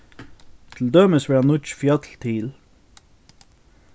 til dømis verða nýggj fjøll til